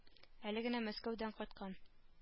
Әле генә мәскәүдән кайткан